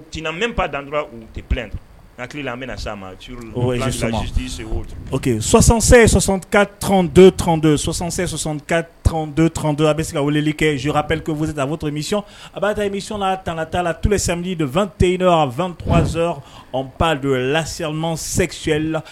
Tiina dan hakili an s ma sɔsansɛ sɔsɔka tɔn tɔn sɔ sɔ ka tɔn tɔn don a bɛ se ka weleli kɛ zopkesi da fɔ to ic a b' imila tan ka taa la tu bɛ sɛdi don vte yen2z bado lasesi sɛyɛlila